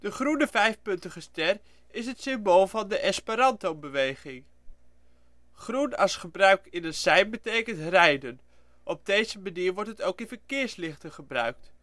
groene vijfpuntige ster is het symbool van de Esperantobeweging. Groen als gebruik in een sein betekent rijden. Op deze manier wordt het ook in verkeerslichten gebruikt